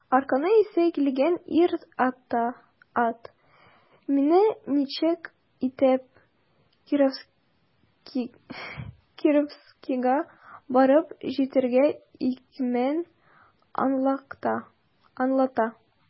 Аракы исе килгән ир-ат миңа ничек итеп Кировскига барып җитәргә икәнен аңлата.